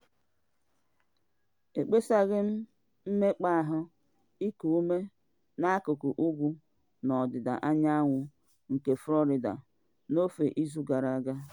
Ekpesaghị mmekpa ahụ iku ume na akụkụ Ugwu na ọdịda anyanwụ nke Florida n’ofe izu gara aga.